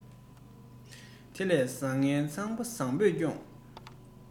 དེ ལས བཟང ངན ཚང མ བཟང པོས སྐྱོངས